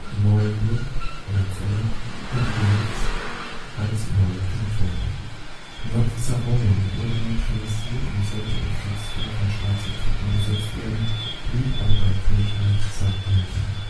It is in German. Neuenburg (Hohenzollern) und Genfs als neue Kantone. Nordsavoyen wurde neutralisiert und sollte im Kriegsfall von Schweizer Truppen besetzt werden, blieb aber beim Königreich Sardinien